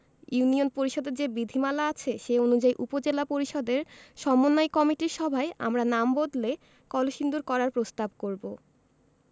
union পরিষদের যে বিধিমালা আছে সে অনুযায়ী উপজেলা পরিষদের সমন্বয় কমিটির সভায় আমরা নাম বদলে কলসিন্দুর করার প্রস্তাব করব